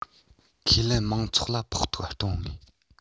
ཁས ལེན དམངས ཚོགས ལ ཕོག ཐུག གཏོང ངེས